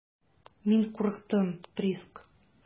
Мин курыктым, Приск.